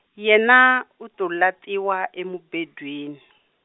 yena u to latiwa emubedweni.